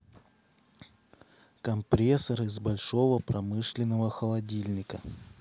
компрессор из большого промышленного холодильника